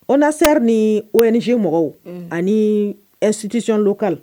O na seri ni oynisi mɔgɔw ani ɛ sutisiondo kalo